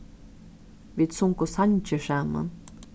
vit sungu sangir saman